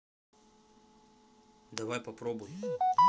давай попробуй